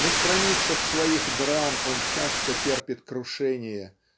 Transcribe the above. На страницах своих драм он часто терпит крушение